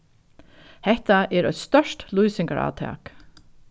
hetta er eitt stórt lýsingarátak